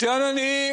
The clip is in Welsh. Dyna ni.